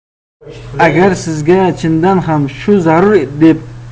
agar sizga chindan ham shu zarur deb